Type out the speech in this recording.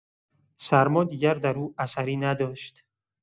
سرما دیگر در او اثری نداشت.